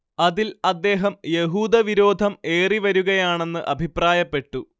അതിൽ അദ്ദേഹം യഹൂദവിരോധം ഏറിവരുകയാണെന്ന് അഭിപ്രായപ്പെട്ടു